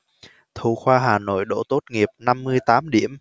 thủ khoa hà nội đỗ tốt nghiệp năm mươi tám điểm